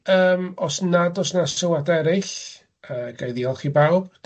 Yym, os nad o's 'na sylwade eryll, yy gai ddiolch i bawb.